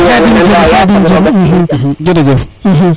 Khadim Dione Khadim Dione jerejef